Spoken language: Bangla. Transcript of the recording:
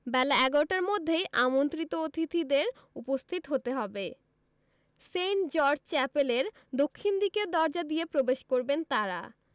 বেলা ১১টার মধ্যেই আমন্ত্রিত অতিথিদের উপস্থিত হতে হবে সেন্ট জর্জ চ্যাপেলের দক্ষিণ দিকের দরজা দিয়ে প্রবেশ করবেন তাঁরা